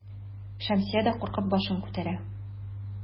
Шәмсия дә куркып башын күтәрә.